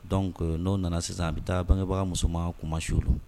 Don n'o nana sisan a bɛ taa bangebaga musoman kuma su rɔ